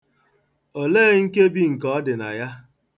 Olee nkebi nke ọ dị na ya?